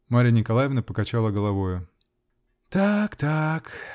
Марья Николаевна покачала головою. -- Так. так.